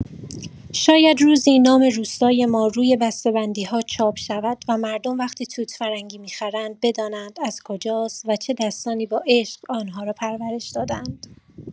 شاید روزی نام روستای ما روی بسته‌بندی‌ها چاپ شود و مردم وقتی توت‌فرنگی می‌خرند بدانند از کجاست و چه دستانی با عشق آنها را پرورش داده‌اند.